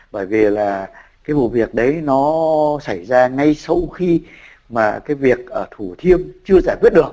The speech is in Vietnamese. bởi vì là cái vụ việc đấy nó xảy ra ngay sau khi mà cái việc ở thủ thiêm chưa giải quyết được